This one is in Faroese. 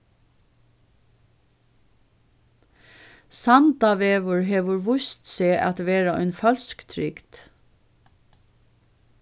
sandavegur hevur víst seg at vera ein følsk trygd